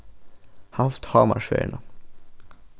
halt hámarksferðina